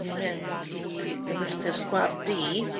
Dan ni'n mynd i dy filltir sgwâr di.